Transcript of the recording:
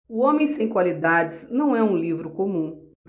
o homem sem qualidades não é um livro comum